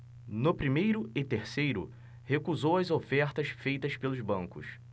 no primeiro e terceiro recusou as ofertas feitas pelos bancos